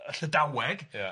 y Llydaweg... ia